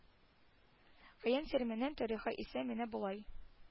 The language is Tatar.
Каен сирмәнең тарихы исә менә болай